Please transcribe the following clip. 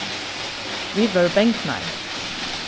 vit vóru bangnar